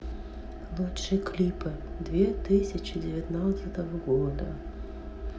лучшие клипы две тысячи девятнадцатого года